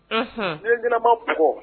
Un den jinɛba ko